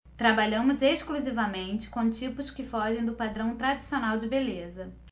trabalhamos exclusivamente com tipos que fogem do padrão tradicional de beleza